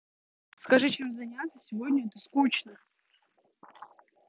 скажи чем заняться сегодня это скучно